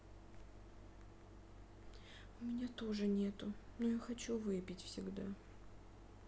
у меня тоже нету но я хочу выпить всегда